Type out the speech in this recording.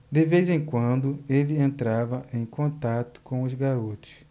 de vez em quando ele entrava em contato com os garotos